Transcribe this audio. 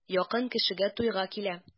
Якын кешегә туйга килә.